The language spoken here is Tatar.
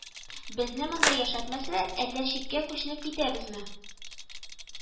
Безне монда яшәтмәсләр, әллә читкә күченеп китәбезме